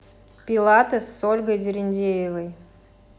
пилатес с ольгой дерендеевой